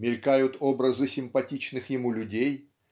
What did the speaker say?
Мелькают образы симпатичных ему людей